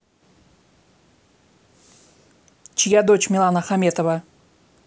чья дочь милана хаметова